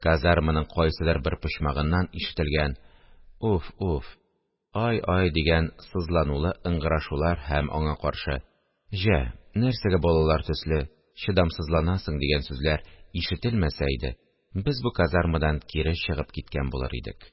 Казарманың кайсыдыр бер почмагыннан ишетелгән «Уф-уф, ай-ай!» дигән сызланулы ыңгырашулар һәм аңа каршы «Җә, нәрсәгә балалар төсле чыдамсызланасың?» дигән сүзләр ишетелмәсә иде, без бу казармадан кире чыгып киткән булыр идек